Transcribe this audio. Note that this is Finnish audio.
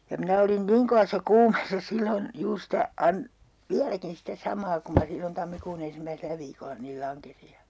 ja minä olin niin kovassa kuumeessa silloin juuri sitä - vieläkin sitä samaa kuin minä silloin tammikuun ensimmäisellä viikolla niin lankesin ja